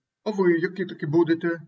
А вы яки-таки будете?